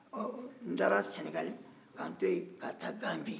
ɔ n taara sɛnɛgali ka n to yen ka taa ganbi